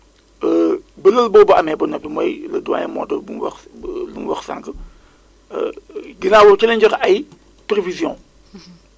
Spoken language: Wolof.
mais nag tamit à chaque fois dañuy wax nit ñi que ne alerte bi boo ko jotee xamal ni dañ la ko jox yow mais moomu loo ko boo ko jotee na nga ko jëriñoo waaye ñi la wër tamit na nga leen ko jox